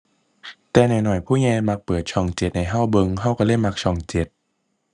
แต่น้อยน้อยผู้ใหญ่มักเปิดช่องเจ็ดให้เราเบิ่ง เราเราเลยมักช่องเจ็ด